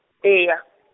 e ya .